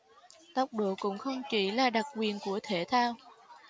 tốc độ cũng không chỉ là đặc quyền của thể thao